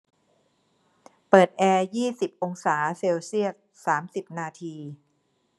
เปิดแอร์ยี่สิบองศาเซลเซียสสามสิบนาที